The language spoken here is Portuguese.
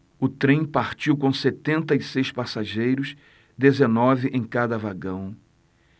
o trem partiu com setenta e seis passageiros dezenove em cada vagão